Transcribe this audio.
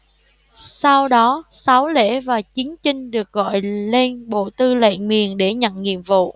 sau đó sáu lễ và chín chinh được gọi lên bộ tư lệnh miền để nhận nhiệm vụ